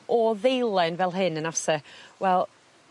o ddeilen fel hyn yn na fyse? Wel